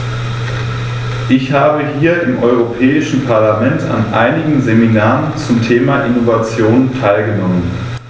Ich habe hier im Europäischen Parlament an einigen Seminaren zum Thema "Innovation" teilgenommen.